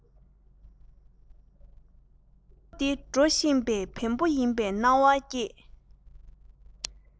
དགྲ ཕྱོགས སུ རྒྱུག བཞིན པའི དཔའ བོ